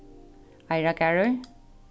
eirargarður